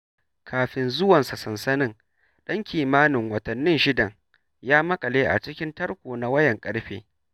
Kafin zuwansa sansanin, ɗan kimanin watannin shidan ya maƙale a cikin tarko na wayar ƙarfe.